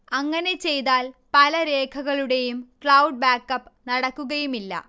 അങ്ങനെ ചെയ്താൽ പല രേഖകളുടെയും ക്ലൗഡ് ബാക്ക്അപ്പ് നടക്കുകയുമില്ല